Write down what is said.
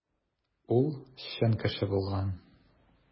Ул чын кеше булган.